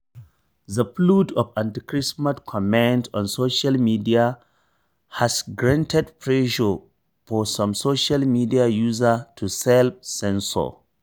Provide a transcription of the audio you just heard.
The flood of anti-Christmas comments on social media has generated pressure for some social media users to self-censor.